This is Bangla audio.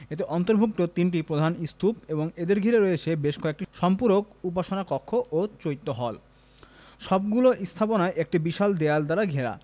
এতে অন্তর্ভুক্ত তিনটি প্রধান স্তূপ এবং এদের ঘিরে রয়েছে বেশ কয়েকটি সম্পূরক উপাসনা কক্ষ ও চৈত্য হল সবগুলি স্থাপনাই একটি বিশাল দেওয়াল দ্বারা ঘেরা